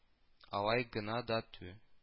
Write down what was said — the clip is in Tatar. Алай гына да тү